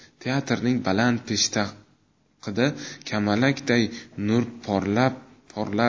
teatrning baland peshtoqida kamalakday nur porlar